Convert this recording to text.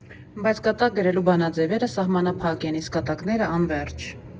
Բայց կատակ գրելու բանաձևերը սահմանափակ են, իսկ կատակները՝ անվերջ։